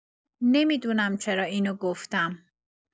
نمی‌دونم چرا اینو گفتم.